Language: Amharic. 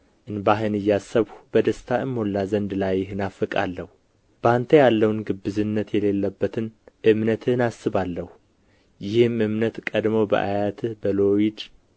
እንባህን እያሰብሁ በደስታ እሞላ ዘንድ ላይህ እናፍቃለሁ በአንተ ያለውን ግብዝነት የሌለበትን እምነትህን አስባለሁ ይህም እምነት ቀድሞ በአያትህ በሎይድ